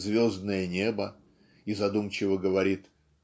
звездное небо и задумчиво говорит